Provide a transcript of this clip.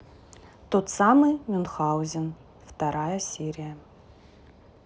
тот самый мюнхгаузен вторая серия